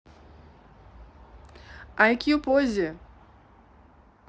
айкью поззи